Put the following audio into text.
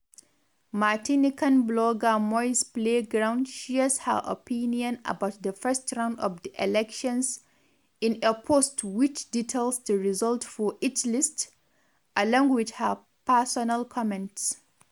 Martinican blogger [moi]'s playground shares her opinion about the first round of the elections, in a post which details the results for each list, along with her personal comments.